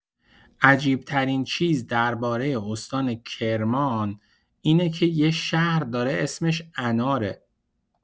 عجیب‌ترین چیز درباره استان کرمان اینه که یه شهر داره اسمش اناره.